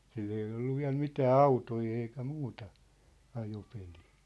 silloin ei ollut vielä mitään autoja eikä muuta ajopeliä